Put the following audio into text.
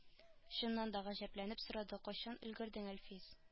Чыннан да гаҗәпләнеп сорады кайчан өлгердең әлфис